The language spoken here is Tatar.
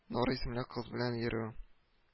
Нора исемле кыз белән йөрү